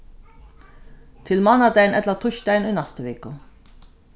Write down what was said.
til mánadagin ella týsdagin í næstu viku